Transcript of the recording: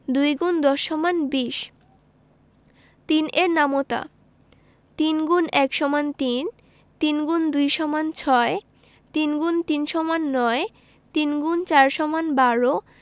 ২ ×১০ = ২০ ৩ এর গুণের নামতা ৩ X ১ = ৩ ৩ X ২ = ৬ ৩ × ৩ = ৯ ৩ X ৪ = ১২